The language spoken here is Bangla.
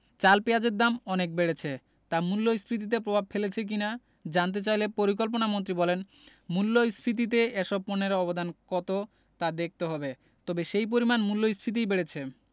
চাল পেঁয়াজের দাম অনেক বেড়েছে তা মূল্যস্ফীতিতে প্রভাব ফেলছে কি না জানতে চাইলে পরিকল্পনামন্ত্রী বলেন মূল্যস্ফীতিতে এসব পণ্যের অবদান কত তা দেখতে হবে তবে সেই পরিমাণ মূল্যস্ফীতি বেড়েছে